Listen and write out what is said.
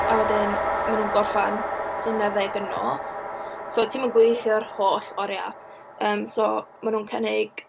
A wedyn maen nhw'n gorffen un ar ddeg yn nos. So ti'm yn gweithio'r holl oriau. Yym, so maen nhw'n cynnig...